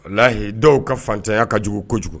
Walahi dɔw ka faantanya ka jugu kojugu